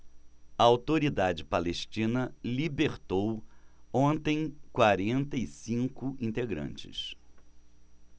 a autoridade palestina libertou ontem quarenta e cinco integrantes